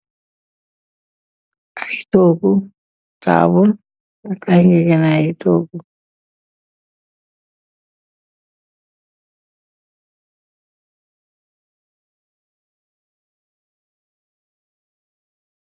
Ay toguh, tabal ak ay ngègeh nayi toguh.